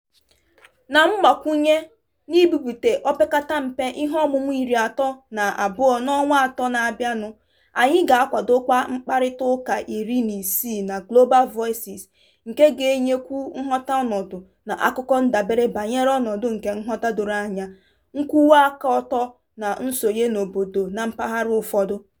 Na mgbakwunye n'ibipụta opekata mpe ihe ọmụmụ iri atọ na abụọ n'ọnwa atọ na-abịa nụ, anyị ga-akwadokwa mkparịtaụka iri na isii na Global Voices nke ga-enyekwu nghọta ọnọdụ na akụkọ ndabere banyere ọnọdụ nke nghọta doro anya, nkwụwa aka ọtọ na nsonye n'obodo na mpaghara ụfọdụ.